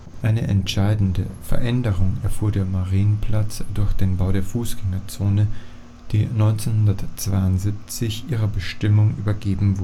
Eine entscheidende Veränderung erfuhr der Marienplatz durch den Bau der Fußgängerzone, die 1972 ihrer Bestimmung übergeben